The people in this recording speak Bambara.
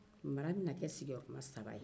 mara bɛna kɛ sigiyɔrɔma saba ye